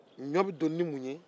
ɲɔ bɛ doni ni mun ye